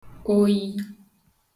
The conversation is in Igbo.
oyi